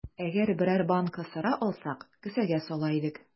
Әгәр берәр банка сыра алсак, кесәгә сала идек.